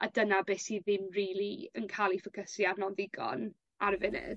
a dyna be' sy ddim rili yn ca'l 'i ffocysu arno yn ddigon ar y funud.